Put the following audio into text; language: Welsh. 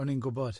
O'n i'n gwybod.